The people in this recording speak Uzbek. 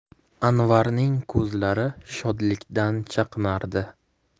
anvarning ko'zlari shodlikdan chaqnardi